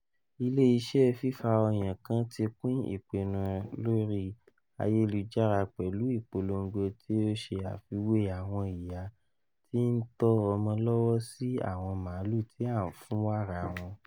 Ile iṣẹ fifa ọyan kan ti pin ipinnu lori ayelujara pẹlu ipolongo ti o ṣe afiwe awọn iya ti n tọ ọmọ lọwọ si awọn maalu ti a n fun wara wọn.